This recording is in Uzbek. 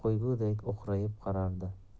qo'ygudek o'qrayib qarardi